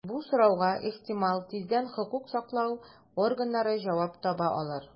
Бу сорауга, ихтимал, тиздән хокук саклау органнары җавап таба алыр.